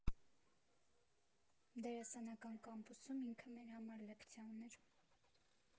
Դերասանական կամպուսում ինքը մեր համար լեկցիա ուներ։